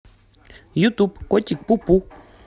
ютуб котик пу пу